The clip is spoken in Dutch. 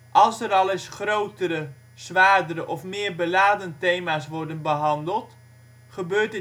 Als er al eens grotere, zwaardere of meer beladen thema 's worden behandeld, gebeurt